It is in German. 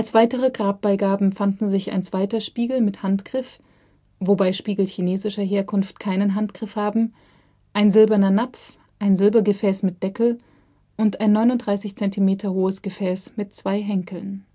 weitere Grabbeigaben fanden sich ein zweiter Spiegel mit Handgriff – wobei Spiegel chinesischer Herkunft keinen Handgriff haben –, ein silberner Napf, ein Silbergefäß mit Deckel und ein 39 cm hohes Gefäß mit zwei Henkeln